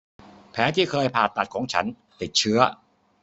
แผลที่เคยผ่าตัดของฉันติดเชื้อ